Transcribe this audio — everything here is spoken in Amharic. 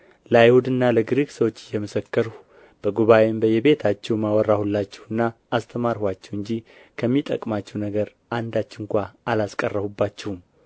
ለአይሁድና ለግሪክ ሰዎች እየመሰከርሁ በጉባኤም በየቤታችሁም አወራሁላችሁና አስተማርኋችሁ እንጂ ከሚጠቅማችሁ ነገር አንዳች ስንኳ አላስቀረሁባችሁም